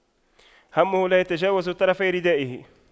همه لا يتجاوز طرفي ردائه